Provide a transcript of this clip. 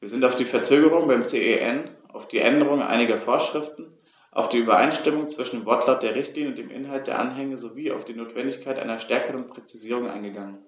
wir sind auf die Verzögerung beim CEN, auf die Änderung einiger Vorschriften, auf die Übereinstimmung zwischen dem Wortlaut der Richtlinie und dem Inhalt der Anhänge sowie auf die Notwendigkeit einer stärkeren Präzisierung eingegangen.